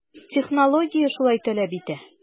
Технология шулай таләп итә.